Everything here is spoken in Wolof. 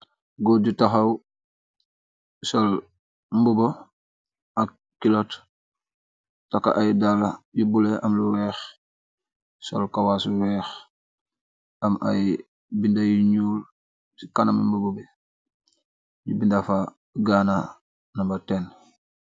Góor ju taxaw sol mbobo ak kilot, takka ay dalla yu bulo am lu weex, sol kawaas bu weex, am ay binda yu ñuul, si kanam mbuba bi, nyun fa binda fa Gaana Numba1.